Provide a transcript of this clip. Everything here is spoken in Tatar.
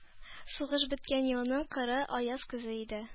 Сугыш беткән елның коры, аяз көзе иде.